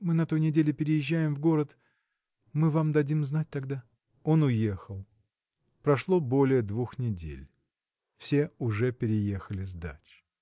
мы на той неделе переезжаем в город: мы вам дадим знать тогда. Он уехал. Прошло более двух недель. Все уже переехали с дач.